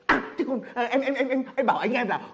thế còn em em em em em bảo anh em là